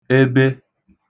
ebe